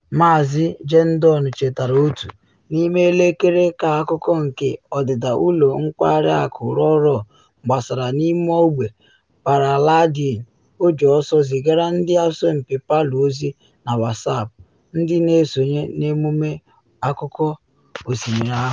Maazị Gendon chetara otu, n’ime elekere ka akụkọ nke ọdịda Ụlọ Nkwari Akụ Roa Roa gbasara n’ime ogbe paraglaịdịn, o ji ọsọ zigara ndị asọmpi Palu ozi na WhatsApp, ndị na esonye n’emume akụkụ osimiri ahụ.